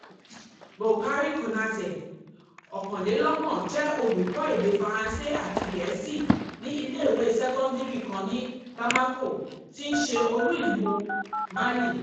Boukary Konaté, 31, jẹ́ olùkọ́ èdè Faransé àti Gẹ̀ẹ́sì ní ilé-ìwé sẹ́kọ́ńdìrì kan ní Bamako, tí ń ṣe olú-ìlú Mali.